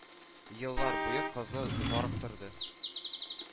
Еллар буе кызны зарыктырды